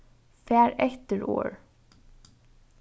far eftir orð